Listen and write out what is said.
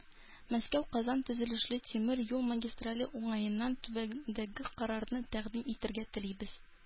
“мәскәү-казан тизйөрешле тимер юл магистрале уңаеннан түбәндәге карарны тәкъдим итәргә телибез.